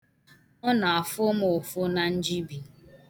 Ọ na-afụ mụ ụfụ na njibi.